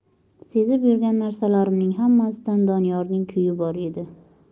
sezib yurgan narsalarimning hammasidan doniyorning kuyi bor edi